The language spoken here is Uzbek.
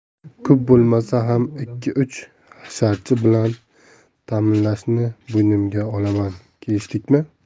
ko'p bo'lmasa ham ikki uch hasharchi bilan taminlashni bo'ynimga olaman kelishdikmi